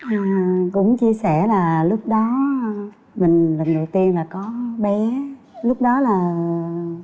à cũng chia sẻ là lúc đó mình lần đầu tiên là có bé lúc đó là